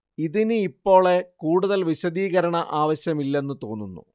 ഇതിനി ഇപ്പോളെ കൂടുതല്‍ വിശദീകരണ ആവശ്യമില്ലെന്ന് തോന്നുന്നു